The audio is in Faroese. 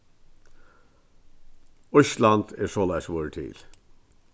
ísland er soleiðis vorðið til